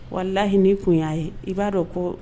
Walahi n'i tun y'a ye i b'a dɔn ko